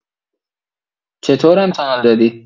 چطور امتحان دادی؟